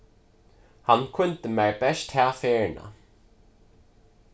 hann kíndi mær bert ta ferðina